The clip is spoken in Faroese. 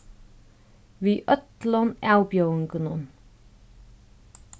við øllum avbjóðingunum